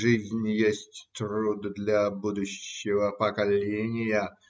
Жизнь есть труд для будущего поколения.